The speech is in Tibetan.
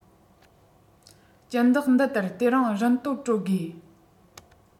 སྦྱིན བདག འདི ལྟར དེ རིང རིན དོད སྤྲོད དགོས